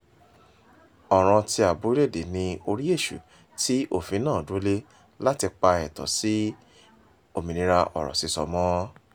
Ọ̀ràn-an ti "ààbò orílẹ̀-èdè" ni orí Èṣù tí òfin náà dúró lé láti pa ẹ̀tọ́ sí òmìnira ọ̀rọ̀ sísọ mọ́.